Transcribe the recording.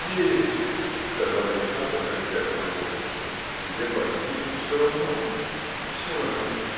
– Нет, – сказал Александр, тряся головой. – Тебе, по-видимому, все равно? – Все равно.